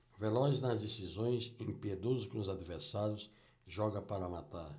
veloz nas decisões impiedoso com os adversários joga para matar